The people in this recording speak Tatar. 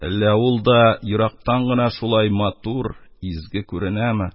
Әллә ул да ерактан гына шулай матур, изге күренәме?